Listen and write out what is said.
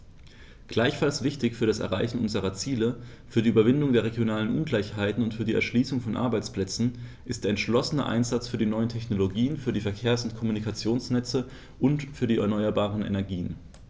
Gleichfalls wichtig für das Erreichen unserer Ziele, für die Überwindung der regionalen Ungleichheiten und für die Erschließung von Arbeitsplätzen ist der entschlossene Einsatz für die neuen Technologien, für die Verkehrs- und Kommunikationsnetze und für die erneuerbaren Energien.